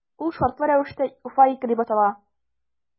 Ул шартлы рәвештә “Уфа- 2” дип атала.